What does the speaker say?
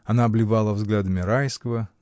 Она обливала взглядами Райского